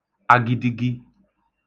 agidigi